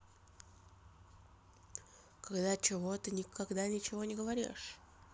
когда чего ты никогда ничего не говоришь